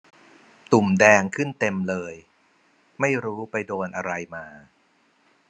ตุ่มแดงขึ้นเต็มเลยไม่รู้ไปโดนอะไรมา